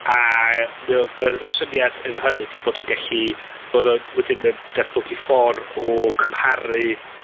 a, mae o, ma'r syniad efo hynny 'di bod yn gellu, bod o'n wedyn yn datblygu ffor o cymharu